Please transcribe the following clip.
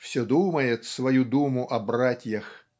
все думает свою думу о братьях